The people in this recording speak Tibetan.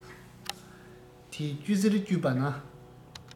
དེའི གཅུ གཟེར གཅུས པ ན